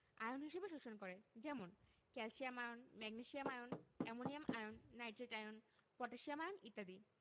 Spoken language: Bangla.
আয়ন হিসেবে শোষণ করে যেমন calcium ion magnesium ion ammonium ion nitrate ion potassium ion ইত্যাদি